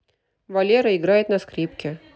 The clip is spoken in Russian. валера играет на скрипке